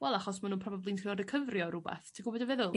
wel achos ma' nw'n probably'n trio ricyfrio o rwbath ti'n gw be' dwi feddwl?